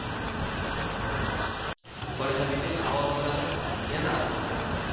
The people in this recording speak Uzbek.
solihabibi xavotirlanib yana atrofiga qaradi